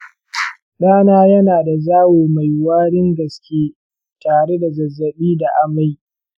ɗana yana da zawo mai warin gaske tare da zazzabi da amai